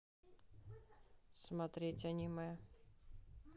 смотреть аниме